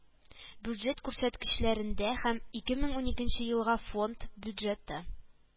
Бюджет күрсәткечләрендә һәм ике мең уникенче елга фонд бюджеты